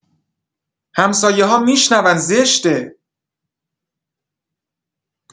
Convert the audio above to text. همسایه‌ها می‌شنون زشته.